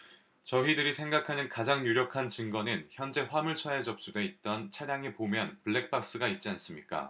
저희들이 생각하는 가장 유력한 증거는 현재 화물차에 접수돼 있던 차량에 보면 블랙박스가 있지 않습니까